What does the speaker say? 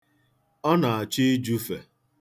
Ọ na-achọ ijufe.